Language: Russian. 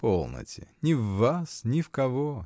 — Полноте: ни в вас, ни в кого!